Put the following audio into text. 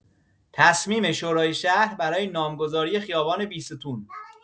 تصمیم شورای شهر برای نامگذاری خیابان بیستون